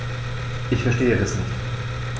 Ich verstehe das nicht.